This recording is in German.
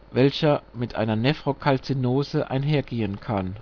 welches mit einer Nephrokalzinose einhergehen kann